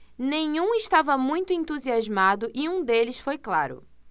nenhum estava muito entusiasmado e um deles foi claro